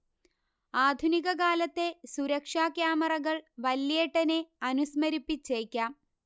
ആധുനികകാലത്തെ സുരക്ഷാ ക്യാമറകൾ വല്യേട്ടനെ അനുസ്മരിപ്പിച്ചേക്കാം